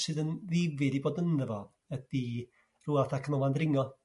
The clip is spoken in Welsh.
sydd yn ddifyr i bod ynddo fo ydi rh'w fath a canolfan ddringo.